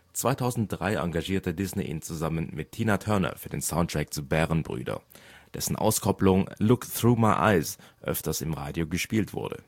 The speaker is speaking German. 2003 engagierte Disney ihn zusammen mit Tina Turner für den Soundtrack zu Bärenbrüder, dessen Auskopplung Look Through My Eyes öfter im Radio gespielt wurde